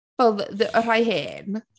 Fel f- ddy- y rhai hen?